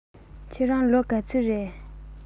ཁྱེད རང ལོ ག ཚོད རེད